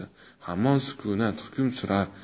hamon sukunat hukm surar